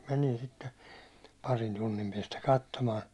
menin sitten parin tunnin päästä katsomaan